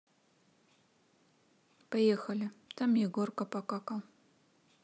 поехали там егорка покакал